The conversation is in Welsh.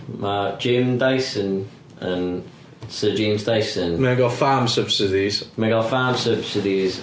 Mae James Dyson yn... Sir James Dyson... ma'n cael farm subsidies... mae'n cael farm subsidies